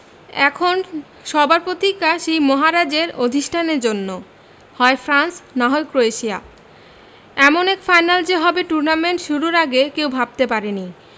এখন সবার প্রতীক্ষা সেই মহারাজের অধিষ্ঠানের জন্য হয় ফ্রান্স নয় ক্রোয়েশিয়া এমন এক ফাইনাল যে হবে টুর্নামেন্ট শুরুর আগে কেউ ভাবতে পারেননি